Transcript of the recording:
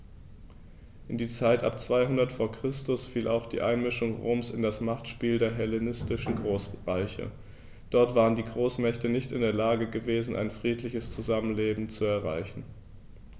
In die Zeit ab 200 v. Chr. fiel auch die Einmischung Roms in das Machtspiel der hellenistischen Großreiche: Dort waren die Großmächte nicht in der Lage gewesen, ein friedliches Zusammenleben zu erreichen.